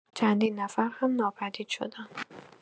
چندین نفر هم ناپدید شدند.